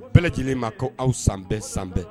Bɛɛlɛ lajɛlen ma ko aw san bɛɛ san bɛɛ